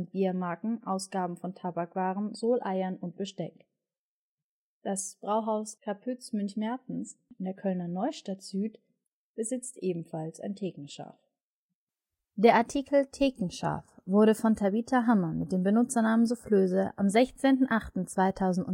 Biermarken, Ausgabe von Tabakwaren, Soleiern und Besteck Brauhaus KA Pütz Münch Mertens, Köln-Neustadt-Süd